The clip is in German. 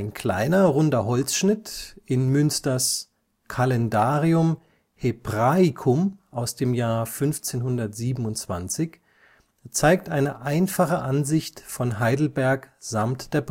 kleiner, runder Holzschnitt in Münsters Calendarium Hebraicum aus dem Jahr 1527 zeigt eine einfache Ansicht von Heidelberg samt der